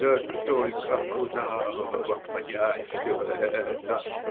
Да только куда вам понять все это!.